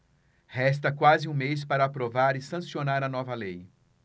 resta quase um mês para aprovar e sancionar a nova lei